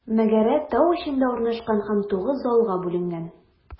Мәгарә тау эчендә урнашкан һәм тугыз залга бүленгән.